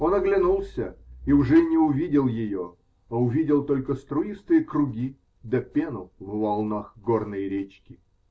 Он оглянулся и уже не увидел ее, а увидел только струистые круги да пену в волнах горной речки.